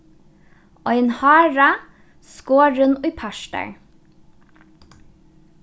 ein hara skorin í partar